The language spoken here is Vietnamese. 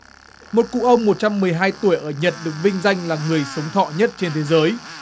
một cụ ông một trăm mười hai tuổi ở nhật được vinh danh là người sống thọ nhất trên thế giới